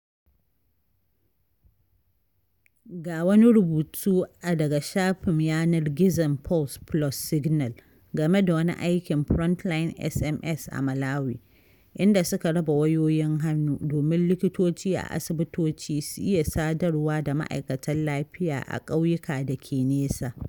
Ga wani rubutu a daga shafim yanar gizon Pulse + Signal game da wani aikin FrontlineSMS a Malawi, inda suka raba wayoyin hannu, domin likitoci a asibitoci su iya sadarwa da ma’aikatan lafiya a ƙauyuka dake nesa.